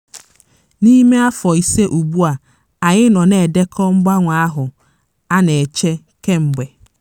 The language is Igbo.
MKH: N'ime afọ ise ugbu a anyị nọ na-edekọ mgbanwe ahụ a na-eche kemgbe.